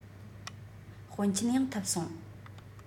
དཔོན ཆེན ཡང ཐུབ སོང